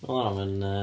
Oedd hwnna'm yn yy...